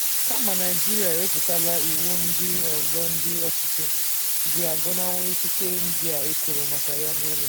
Kama, Naịjirịa ewepụtala iwu ndị ọzọ ndị ọchịchị ji agọnahụ ikike ndịa e kwuru maka ya n'elu.